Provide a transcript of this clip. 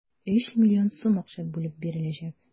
3 млн сум акча бүлеп биреләчәк.